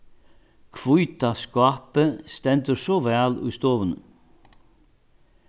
hvíta skápið stendur so væl í stovuni